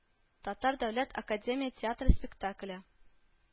Татар дәүләт академия театры спектакле